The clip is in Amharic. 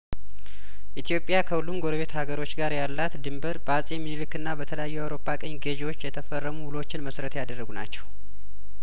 ኢትዮጵያ ከሁሉም ጐረቤት ሀገሮች ጋር ያላት ድንበር በአጼ ሚንሊክና በተለያዩ የአውሮፓ ቅኝ ገዢዎች የተፈረሙ ውሎችን መሰረት ያደረጉ ናቸው